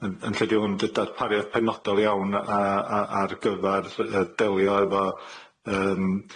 yn yn lle 'di hwn dy- darpariaeth penodol iawn a- a- a- ar gyfar yy delio efo yym